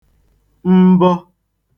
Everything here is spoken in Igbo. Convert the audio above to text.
mbọ